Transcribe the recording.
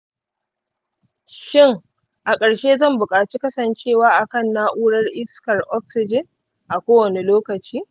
shin a ƙarshe zan buƙaci kasancewa akan na'urar iskar oxygen a kowane lokaci?